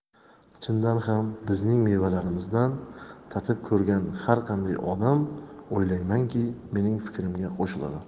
chindan ham bizning mevalarimizdan tatib ko'rgan har qanday odam o'ylaymanki mening fikrimga qo'shiladi